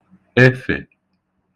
efè